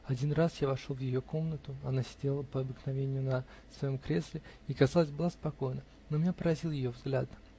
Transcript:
Один раз я вошел в ее комнату: она сидела, по обыкновению, на своем кресле и, казалось, была спокойна но меня поразил ее взгляд.